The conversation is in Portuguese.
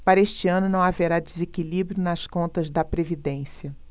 para este ano não haverá desequilíbrio nas contas da previdência